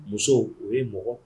Musow o ye mɔgɔ